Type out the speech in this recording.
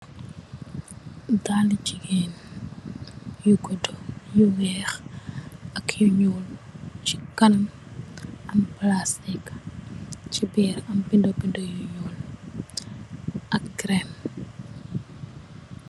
Dali jigen you godu you weex ak yu njoul ci kaname an plastic ci berr mogi an binda binda yu njoul ak green